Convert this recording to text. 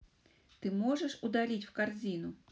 ты можешь удалиться в корзину